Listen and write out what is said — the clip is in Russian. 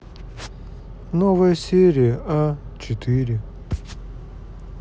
новая серия а четыре